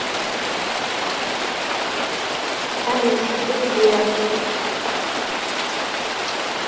алиса ты где